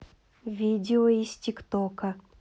видео из тик тока